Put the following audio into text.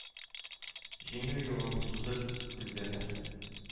Җиңү юлын сызып үлделәр.